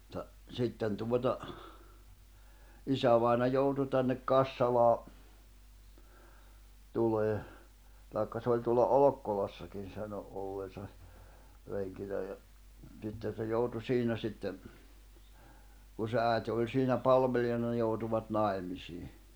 mutta sitten tuota isävainaja joutui tänne Kassalaan tulemaan tai se oli tuolla Olkkolassakin sanoi olleensa renkinä ja sitten se joutui siinä sitten kun se äiti oli siinä palvelijana ne joutuivat naimisiin